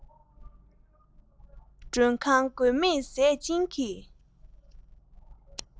མགྲོན ཁང མགོན མེད ཟས སྦྱིན གྱི